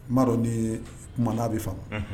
N b'a dɔn n ni kuma'a bɛ fa